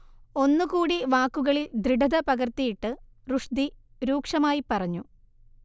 ഒന്നുകൂടി വാക്കുകളിൽ ദൃഢത പകർത്തിയിട്ട് റുഷ്ദി രൂക്ഷമായി പറഞ്ഞു